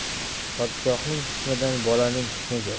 podshoning hukmidan bolaning hukmi zo'r